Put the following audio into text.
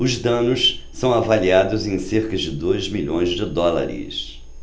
os danos são avaliados em cerca de dois milhões de dólares